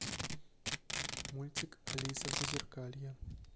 мультик алиса в зазеркалье